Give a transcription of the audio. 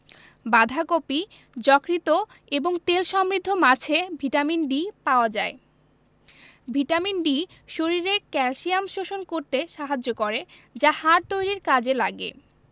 বাঁধাকপি যকৃৎ এবং তেল সমৃদ্ধ মাছে ভিটামিন D পাওয়া যায় ভিটামিন D শরীরে ক্যালসিয়াম শোষণ করতে সাহায্য করে যা হাড় তৈরীর কাজে লাগে